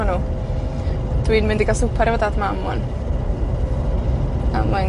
efo nw. Dwi'n mynd i ga'l swper efo dad a mam ŵan. A mae'n